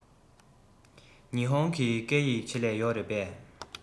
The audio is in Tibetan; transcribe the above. ཉི ཧོང གི སྐད ཡིག ཆེད ལས ཡོད རེད པས